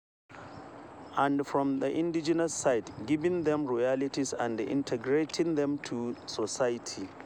And, from the indigenous’ side, giving them royalties and integrating them to society.